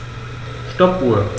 Stoppuhr.